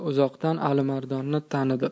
uzoqdan alimardonni tanidi